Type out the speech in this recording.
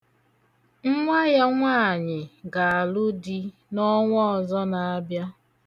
Nnwa ya nwaanyị ga-alụ di n'ọnwa ọzọ na-abịa.